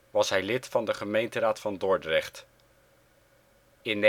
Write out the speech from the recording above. was hij lid van de gemeenteraad van Dordrecht. In